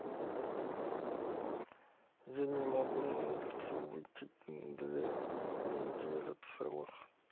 я не могу на улицу выйти две недели целых